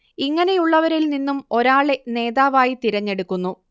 ഇങ്ങനെയുള്ളവരിൽ നിന്നും ഒരാളെ നേതാവായി തിരഞ്ഞെടുക്കുന്നു